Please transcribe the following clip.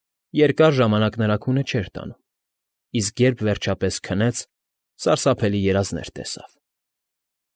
Երկար ժամանակ նրա քունը չէր տանում, իսկ երբ վերջապես քնեց, սարսափելի երազներ տեսավ։